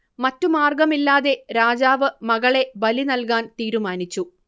മറ്റു മാർഗ്ഗമില്ലാതെ രാജാവ് മകളെ ബലി നൽകാൻ തീരുമാനിച്ചു